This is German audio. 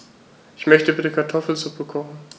Ich möchte bitte Kartoffelsuppe kochen.